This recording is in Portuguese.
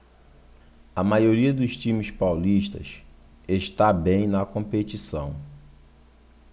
a maioria dos times paulistas está bem na competição